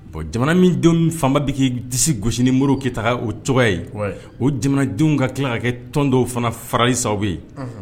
Bon jamana min denw fan ba b'i k'i disi gosi ni Modibo Keyita o cogoya ye,. Wɛ. O jamanadenw ka tila ka kɛ tɔn dɔw fana farali sababu ye. Unhun.